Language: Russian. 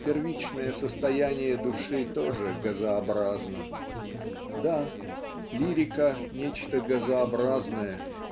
первичное состояние души тоже газообразно. Да, лирика нечто газообразное